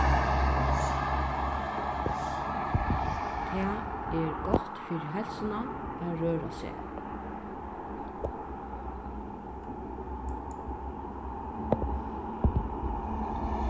tað er gott fyri heilsuna at røra seg